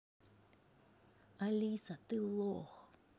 алиса ты лох